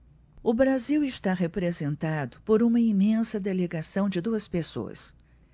o brasil está representado por uma imensa delegação de duas pessoas